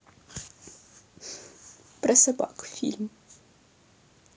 про собак фильм